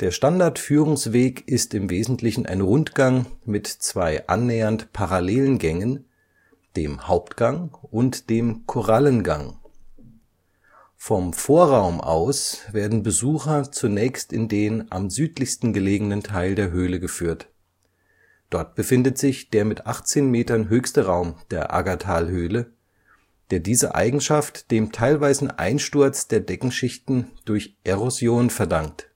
Standardführungsweg ist im Wesentlichen ein Rundweg mit zwei annähernd parallelen Gängen, dem Hauptgang und dem Korallengang. Vom Vorraum aus werden Besucher zunächst in den am südlichsten gelegenen Teil der Höhle geführt. Dort befindet sich der mit 18 Metern höchste Raum der Aggertalhöhle, der diese Eigenschaft dem teilweisen Einsturz der Deckenschichten durch Erosion verdankt